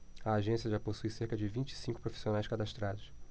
a agência já possui cerca de vinte e cinco profissionais cadastrados